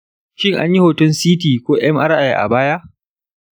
shin anyi hoton ct ko mri a baya?